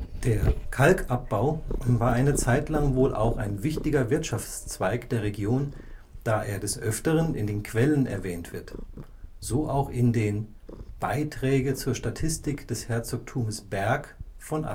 Der Kalkabbau war eine Zeitlang wohl auch ein wichtiger Wirtschaftszweig der Region, da er des Öfteren in den Quellen erwähnt wird, so auch in den Beyträge zur Statistik des Herzogthumes Berg von